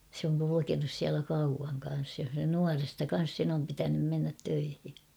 se on kulkenut siellä kauan kanssa jo nuoresta kanssa sen on pitänyt mennä töihin